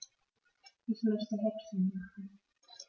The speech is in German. Ich möchte Häppchen machen.